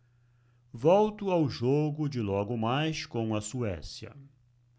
volto ao jogo de logo mais com a suécia